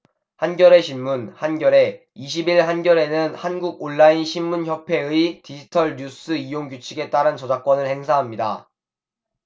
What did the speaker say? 한겨레신문 한겨레 이십 일 한겨레는 한국온라인신문협회의 디지털뉴스이용규칙에 따른 저작권을 행사합니다